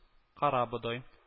Карабодай